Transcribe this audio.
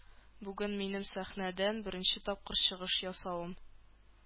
Бүген минем сәхнәдән беренче тапкыр чыгыш ясавым.